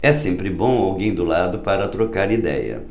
é sempre bom alguém do lado para trocar idéia